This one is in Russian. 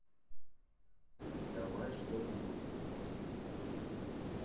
давай что нибудь